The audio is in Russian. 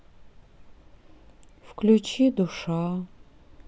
включи душа